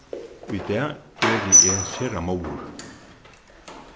í dag eri eg sera móður